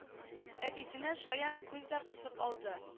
Әтисенә шаян күз дә кысып алды